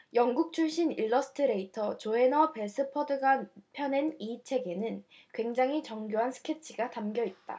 영국 출신 일러스트레이터 조해너 배스퍼드가 펴낸 이 책에는 굉장히 정교한 스케치가 담겨 있다